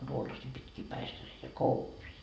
tuollaisia pitkiä päistäreitä kovia